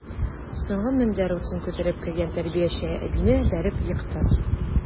Соңгы мендәр утын күтәреп кергән тәрбияче әбине бәреп екты.